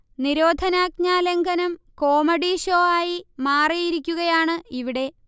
നിരോധനാജ്ഞ ലംഘനം comedy show ആയി മാറിയിരിക്കുകയാണ് ഇവിടെ